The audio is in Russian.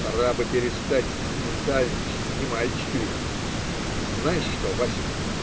Пора бы перестать сентиментальничать: не мальчик ведь. Знаешь что, Вася,